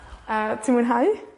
A ti'n mwynhau?